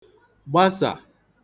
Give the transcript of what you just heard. gbasà